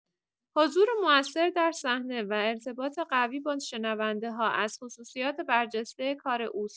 حضور موثر در صحنه و ارتباط قوی با شنونده‌ها از خصوصیات برجسته کار اوست.